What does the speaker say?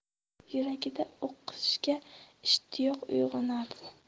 yuragida o'qishga ishtiyoq uyg'onardi